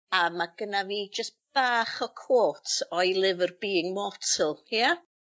a ma' gynna fi jyst bach y quote o'i lyfyr Being Mortal, ia?